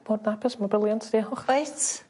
Bod yn apus ma' briliant diolch. Wyt?